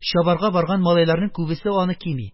Чабарга барган малайларның күбе аны кими,